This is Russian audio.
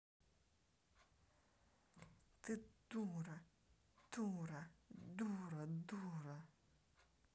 ты дура дура дура дура